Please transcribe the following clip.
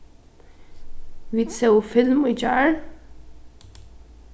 vit sóu film í gjár